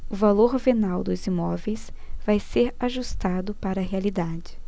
o valor venal dos imóveis vai ser ajustado para a realidade